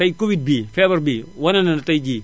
tay Covid bii feebar bii wane na ne tay jii